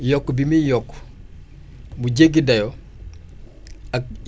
yokku bi muy yokku bu jéggi dayoo ak